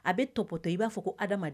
A bɛ tɔptɔ i b'a fɔ ko adamadama